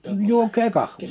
juokaa kahvia